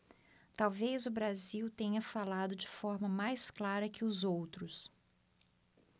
talvez o brasil tenha falado de forma mais clara que os outros